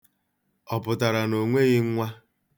Ọ pụtara na o nweghị nwa?